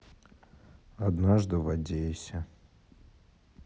однажды в одессе